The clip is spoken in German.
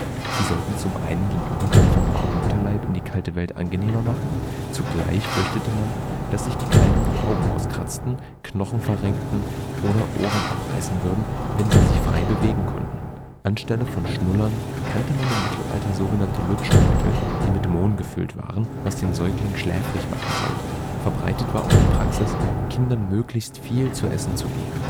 sollte zum einen den Übergang vom warmen Mutterleib in die kalte Welt angenehmer machen. Zugleich fürchtete man, dass sich die Kleinen die Augen auskratzen, Knochen verrenken oder Ohren abreißen würden, wenn sie sich frei bewegen konnten. Anstelle von Schnullern kannte man im Mittelalter sogenannte Lutschbeutel, die mit Mohn gefüllt waren, was den Säugling schläfrig machen sollte. Verbreitet war auch die Praxis, Kindern möglichst viel zu essen zu geben